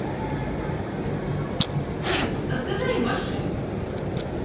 салют отгадай машину